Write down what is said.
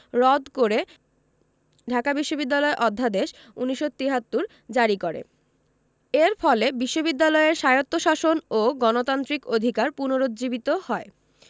রদ করে ঢাকা বিশ্ববিদ্যালয় অধ্যাদেশ ১৯৭৩ জারি করে এর ফলে বিশ্ববিদ্যালয়ের স্বায়ত্তশাসন ও গণতান্ত্রিক অধিকার পুনরুজ্জীবিত হয়